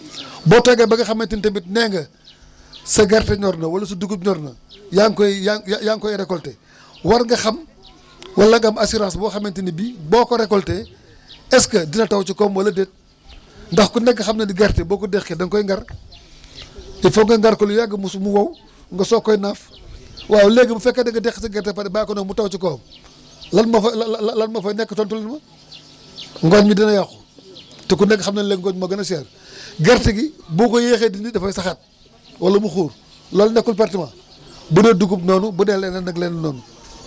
boo toogee ba nga xamante ne bi nee nga sa gerte ñor na wala sa dugub ñor na yaa ngi koy yaa yaa yaa ngi koy récolté war nga xam wala nga am assuarnce boo xamante ni bi boo ko récolté est ce que dina taw ci kawam wala déet ndax ku nekk xam na ni gerte boo ko deqee da nga koy ngar il faut nga ngar ko lu yàgg mu su mu wow nga soog koy naaf waaw léegi bu fekkee da nga deqi sa gerte ba pare nga bçyyi ko noonu mu taw si kawam lan moo fa la la lan moo fay nekk ca tool wa ngooñ mi dina yàqu te ku nekk xam na ni ngooñ moo gën a cher gerte gi boo ko yéexee dindi dafay saxaat wala mu xuur loolu nekkul pertement bu dee dugub noonu bu dee leneen ak leneen noonu